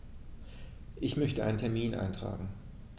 Ich möchte einen Termin eintragen.